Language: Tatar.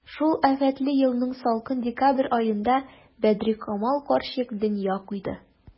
Шул афәтле елның салкын декабрь аенда Бәдрикамал карчык дөнья куйды.